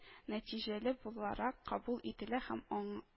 Нәтиҗәле буларак кабул ителә һәм аң